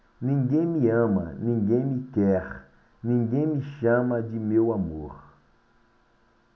ninguém me ama ninguém me quer ninguém me chama de meu amor